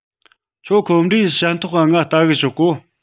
ཁྱོད ཁོམ རས ཞན ཐོག ག ངའ ལྟ གི ཤོག གོ